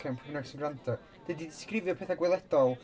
Ocê i pwy bynnag sy'n gwrando, dydy disgrifio pethau gweledol...